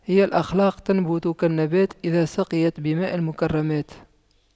هي الأخلاق تنبت كالنبات إذا سقيت بماء المكرمات